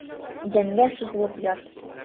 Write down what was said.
Идәнгә сузылып ят.